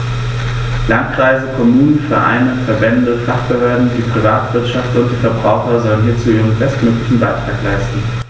Landkreise, Kommunen, Vereine, Verbände, Fachbehörden, die Privatwirtschaft und die Verbraucher sollen hierzu ihren bestmöglichen Beitrag leisten.